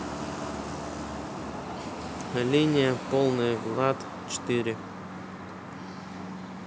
линия полный влад четыре